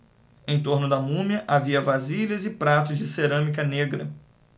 em torno da múmia havia vasilhas e pratos de cerâmica negra